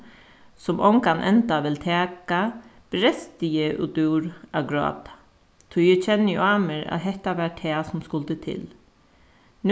sum ongan vil taka bresti eg út úr at gráta tí eg kenni á mær at hetta var tað sum skuldi til